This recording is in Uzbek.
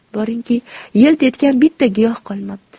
boringki yilt etgan bitta giyoh qolmabdi